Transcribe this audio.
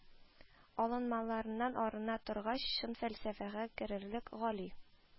Алынмаларыннан арына торгач, чын фәлсәфәгә керерлек, «гали